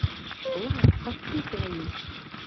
лайк подписываюсь